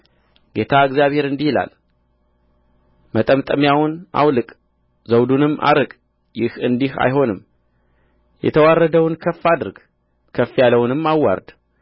ጌታ እግዚአብሔር እንዲህ ይላል መጠምጠሚያውን አውልቅ ዘውዱንም አርቅ ይህ እንዲህ አይሆንም የተዋረደውን ከፍ አድርግ ከፍ ያለውንም አዋርድ